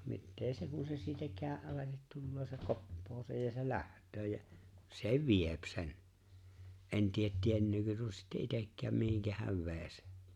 no mitä se kun se siitä käden alitse tulee se koppaa sen ja se lähtee ja se vie sen en tiedä tietääkö tuo sitten itsekään mihin hän vei sen